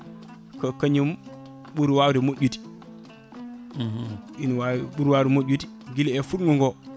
ko kañum ɓuuri wawde moƴƴude ina wawi ɓuuri wawde moƴƴude guila e fungogo